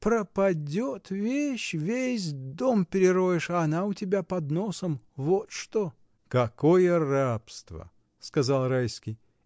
Пропадет вещь: весь дом перероешь, а она у тебя под носом — вот что! — Какое рабство! — сказал Райский.